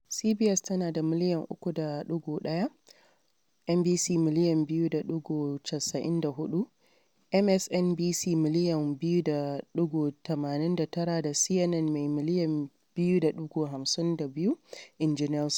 CBS tana da miliyan 3.1, NBC miliyan 2.94, MSNBC miliyan 2.89 da CNN mai miliyan 2.52, inji Nielsen.